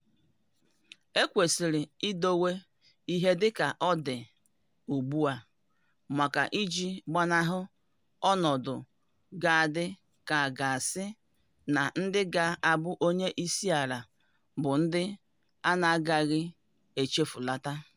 Ekwesịrị idowe ihe dị ka ọ dị ugbu a maka iji gbanahụ ọnọdụ ga-adị ka a ga-asị na ndị ga-abụ Onyeisiala bụ ndị a na-agaghị echefulata.